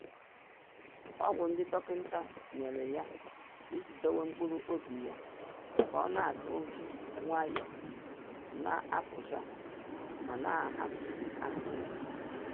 Ọgwụ ndị dọkịnta nyere ya iji dowe mkpụrụobi ya ka ọ na akụ ji nwayọ na apụcha ma na ahapụ ahụ ya.